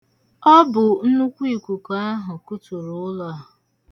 Ọ bụ nnukwu ikuku ahụ kuturu ụlọ a.